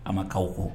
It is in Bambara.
An makaw kɔ